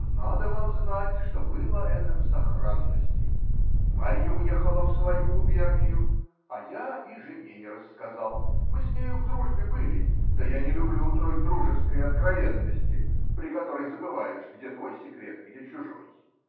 (А надо вам знать, что было это в сохранности: Марья уехала в свою губернию, а я и жене не рассказал -- мы с нею в дружбе были, да я не люблю той дружеской откровенности, при которой забываешь, где твой секрет, где чужой.